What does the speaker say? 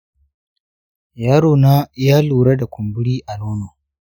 yaro na ya lura da kumburi a nono.